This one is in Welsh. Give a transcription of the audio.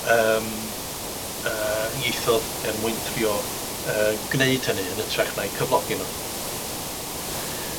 yym, yy, ieithodd er mwyn trio yy gneud hynny yn ytrach na'u cyflogi nw.